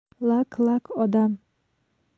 lak lak odam